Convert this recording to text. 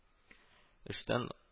Эштән